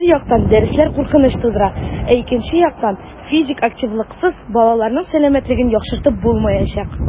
Бер яктан, дәресләр куркыныч тудыра, ә икенче яктан - физик активлыксыз балаларның сәламәтлеген яхшыртып булмаячак.